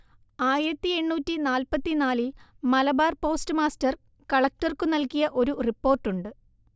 ആയിരത്തി എണ്ണൂറ്റി നാല്പത്തിനാലിൽ മലബാർ പോസ്റ്റ്മാസ്റ്റർ കളക്ടർക്കു നൽകിയ ഒരു റിപ്പോർട്ടുണ്ട്